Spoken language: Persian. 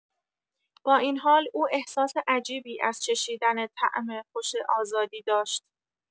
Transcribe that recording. با این حال، او احساس عجیبی از چشیدن طعم خوش آزادی داشت.